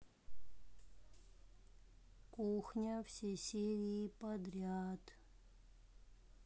кухня все серии подряд